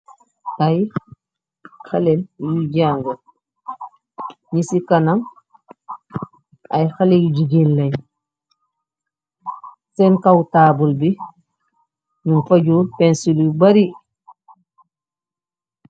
Ay haley yi jàng, nu ci kanam ay haley jigéen leen. Senn kaw taabul bi nung fa jorr pencil yu bari.